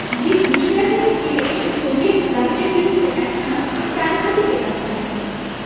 জিদ Russia থেকে ফিরে এসে সোভিয়েট রাজ্যের বিরুদ্ধে একখানা প্রাণঘাতী কেতাব ছাড়েন